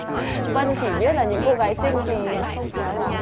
vân chỉ biết là những cô gái xinh thì không khéo lắm